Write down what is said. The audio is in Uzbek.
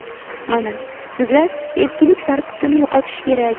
mana sizlar eskilik sarqitini yo'qotish kerak